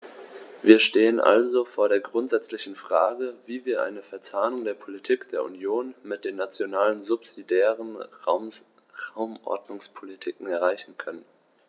Wir stehen also vor der grundsätzlichen Frage, wie wir eine Verzahnung der Politik der Union mit den nationalen subsidiären Raumordnungspolitiken erreichen können.